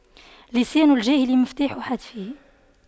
لسان الجاهل مفتاح حتفه